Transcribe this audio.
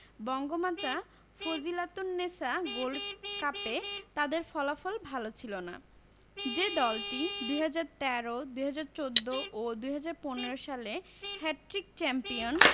Bangamata Fazilatunnesa gold কাপে তাদের ফলাফল ভালো ছিল না যে দলটি ২০১৩ ২০১৪ ও ২০১৫ সালে হ্যাটট্রিক চ্যাম্পিয়ন